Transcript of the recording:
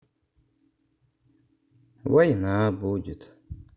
война будет